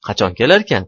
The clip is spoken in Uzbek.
qachon kelarkan